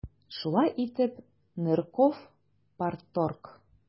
Шулай итеп, Нырков - парторг.